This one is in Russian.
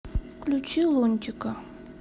включи лунтика